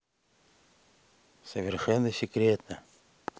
совершенно секретно